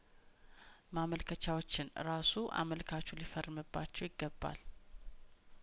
ማመልከቻዎችን እራሱ አመልካቹ ሊፈርምባቸው ይገባል